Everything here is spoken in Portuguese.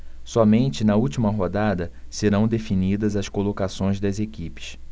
somente na última rodada serão definidas as colocações das equipes